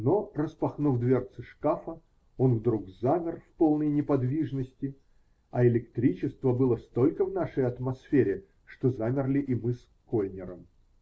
Но, распахнув дверцы шкафа, он вдруг замер в полной неподвижности, а электричества было столько в нашей атмосфере, что замерли и мы с Кольнером.